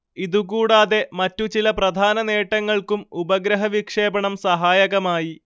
ഇതുകൂടാതെ മറ്റു ചില പ്രധാന നേട്ടങ്ങൾക്കും ഉപഗ്രഹവിക്ഷേപണം സഹായകമായി